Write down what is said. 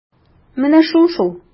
Менә шул-шул!